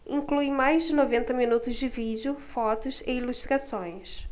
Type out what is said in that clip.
inclui mais de noventa minutos de vídeo fotos e ilustrações